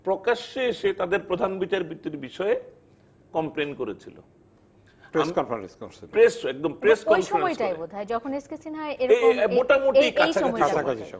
প্রকাশ্যে এসে তাদের প্রধান বিচারপতির বিষয়ে কমপ্লেন করেছিল প্রেস কনফারেন্স করছিল প্রেস কনফারেন্স প্রেস একদম প্রেস কনফারেন্সে ওই সময় তাই বোধহয় যখন এস কে সিনহা এরকম সময় মোটামুটি কাছাকাছি সময়টায কাছাকাছি সময়